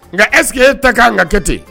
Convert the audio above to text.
Nka est-ce que e ta ka kan ka kɛ ten?